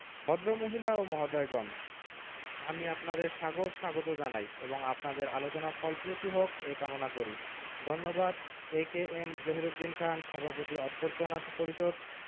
ভদ্রমহিলা ও মহোদয়গণ আমি আপনাদের সাদর স্বাগত জানাই এবং আপনাদের আলোচনা ফলপ্রসূ হোক এ কামনা করি ধন্যবাদ এ এম জহিরুদ্দিন খান সভাপতি অভ্যর্থনা পরিষদ